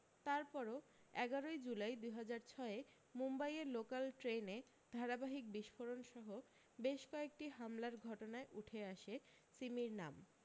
তারপরও এগারোই জুলাই দু হাজার ছয়ে মুম্বাইয়ে লোকাল ট্রেনে ধারাবাহিক বিস্ফোরণ সহ বেশ কয়েকটি হামলার ঘটনায় উঠে আসে সিমির নাম